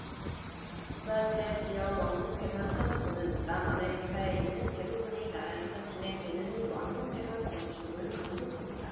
브라질의 지역 왕국회관 사무소는 남아메리카에 있는 대부분의 나라에서 진행되는 왕국회관 건축을 감독합니다